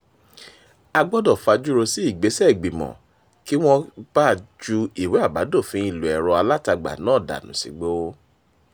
A gbọdọ̀ fajú ro sí ìgbésẹ̀ Ìgbìmọ̀ kí wọ́n ba ju ìwé àbádòfin ìlò ẹ̀rọ alátagbà náà dànù sígbó.